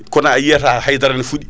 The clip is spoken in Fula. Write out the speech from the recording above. kono a yiyata haydara ina fuuɗi